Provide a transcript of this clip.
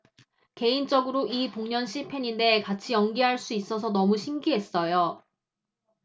개인적으로 이봉련 씨 팬인데 같이 연기할 수 있어서 너무 신기했어요